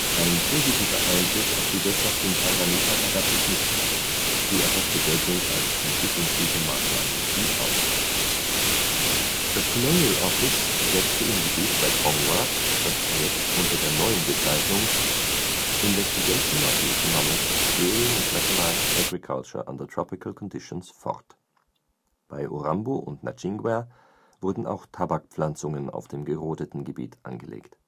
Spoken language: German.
Ein positiver Einfluss auf die Wirtschaft in Tanganyika ergab sich nicht, die erhoffte Wirkung als Entwicklungshilfemaßnahme blieb aus. Das Colonial Office setzte im Gebiet bei Kongwa das Projekt unter der neuen Bezeichnung Investigation of the economics of clearing and mechanized agriculture under tropical conditions fort, bei Urambo und Nachingwea wurden auch Tabakpflanzungen auf dem gerodeten Gebiet angelegt